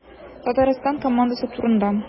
Татарстан командасы турында.